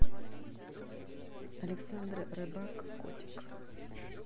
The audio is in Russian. александр рыбак котик